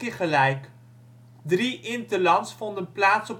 gelijk. Drie interlands vonden plaats